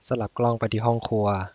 สลับกล้องไปที่ห้องครัว